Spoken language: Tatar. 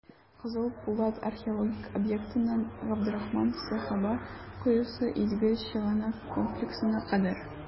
«кызыл пулат» археологик объектыннан "габдрахман сәхабә коесы" изге чыганак комплексына кадәр.